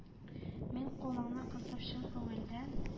Мин кулыңны кысып, чын күңелдән: